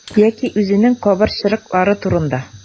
Яки үзенең кабырчрыклары турында.